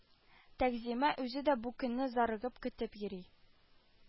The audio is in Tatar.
Тәгъзимә үзе дә бу көнне зарыгып көтеп йөри